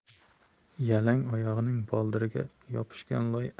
yalang oyog'ining boldiriga yopishgan loy